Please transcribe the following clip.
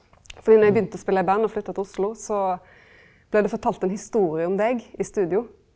fordi når eg begynte å spele i band og flytta til Oslo så blei det fortalt ein historie om deg i studio.